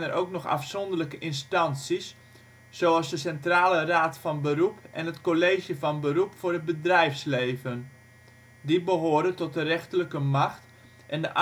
ook nog afzonderlijke instanties zoals: de Centrale Raad van Beroep en het College van Beroep voor het Bedrijfsleven, die behoren tot de rechterlijke macht, en